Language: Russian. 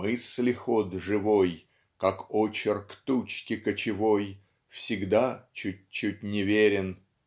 мысли ход живой, Как очерк тучки кочевой, Всегда чуть-чуть неверен.